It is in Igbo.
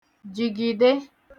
jìgìde